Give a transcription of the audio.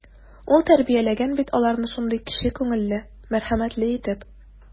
Ул тәрбияләгән бит аларны шундый кече күңелле, мәрхәмәтле итеп.